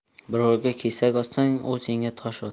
birovga kesak otsang u senga tosh otadi